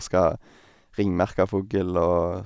Skal ringmerke fugl, og...